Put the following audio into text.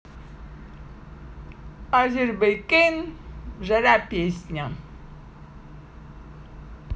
azerbaycan жара песня